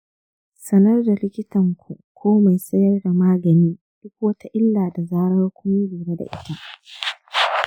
sanar da likitan ku ko mai sayar da magani duk wata illa da zarar kun lura da ita.